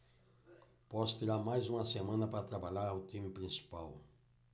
posso tirar mais uma semana para trabalhar o time principal